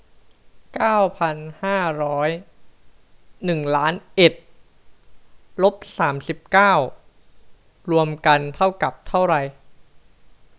เก้าพันห้าร้อยหนึ่งล้านเอ็ดลบสามสิบเก้ารวมกันเท่ากับเท่าไหร่